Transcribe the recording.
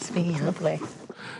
sgin 'i lyfli.